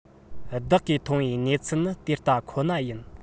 བདག གིས མཐོང བའི གནས ཚུལ ནི དེ ལྟ ཁོ ན ཡིན